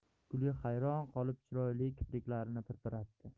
guli hayron qolib chiroyli kipriklarini pirpiratdi